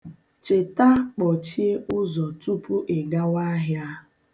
Cheta kpọchie ụzọ tupu Ị gawa ahịa.